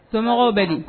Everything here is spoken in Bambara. somɔgɔw bɛ di.